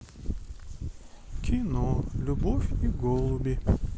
кино любовь и голуби